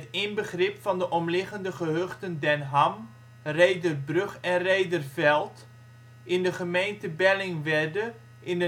inbegrip van de omliggende gehuchten Den Ham, Rhederbrug en Rhederveld) in de gemeente Bellingwedde in